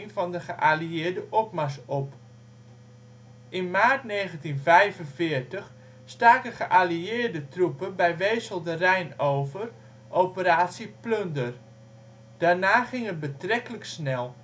van de geallieerde opmars op. In maart 1945 staken geallieerde troepen bij Wesel de Rijn over (operatie Plunder). Daarna ging het betrekkelijk snel